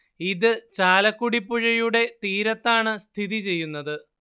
ഇത് ചാലക്കുടി പുഴയുടെ തീരത്താണ് സ്ഥിതിചെയ്യുന്നത്